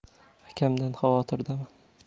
akamdan xavotirdaman